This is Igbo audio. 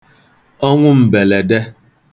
ọnwụ m̀bèlède